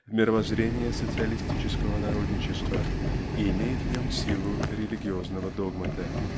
в мировоззрение социалистического народничества и имеет в нем силу религиозного догмата.